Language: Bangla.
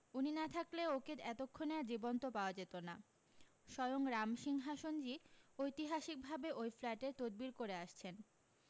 উনি না থাকলে ওকে এতক্ষণে আর জীবন্ত পাওয়া যেতো না স্বয়ং রামসিংহাসনজী ঐতিহাসিকভাবে অই ফ্ল্যাটের তদবীর করে আসছেন